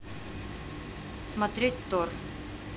смотреть тор